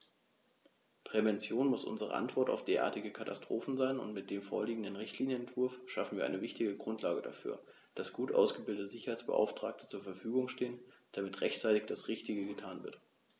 Prävention muss unsere Antwort auf derartige Katastrophen sein, und mit dem vorliegenden Richtlinienentwurf schaffen wir eine wichtige Grundlage dafür, dass gut ausgebildete Sicherheitsbeauftragte zur Verfügung stehen, damit rechtzeitig das Richtige getan wird.